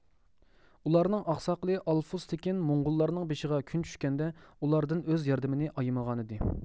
ئۇلارنىڭ ئاقساقىلى ئالفۇس تېكىن موڭغۇللارنىڭ بېشىغا كۈن چۈشكەندە ئۇلاردىن ئۆز ياردىمىنى ئايىمىغانىدى